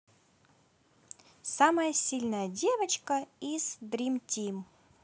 самая сильная девочка из дримтим